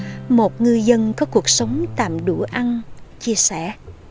một ngư dân có cuộc sống tạm đủ ăn chia sẻ